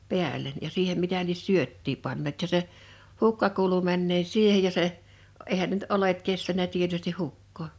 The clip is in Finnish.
päälle ja siihen mitä lie syöttiä panneet ja se hukka kuului menneen siihen ja se eihän ne nyt oljet kestänyt tietysti hukkaa